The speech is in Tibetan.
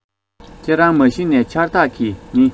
ཁྱེད རང མ གཞི ནས འཆར བདག གི ནི